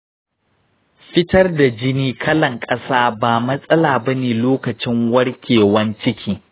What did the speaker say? fitar da jini kalan ƙasa ba matsala bane lokacin warkewan ciki.